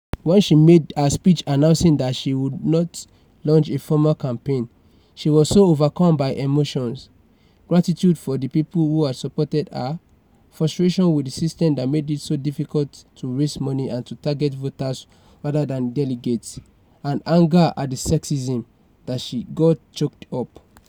When she made her speech announcing that she would not launch a formal campaign, she was so overcome by emotions - gratitude for the people who'd supported her, frustration with the system that made it so difficult to raise money and to target voters rather than delegates, and anger at the sexism - that she got choked up.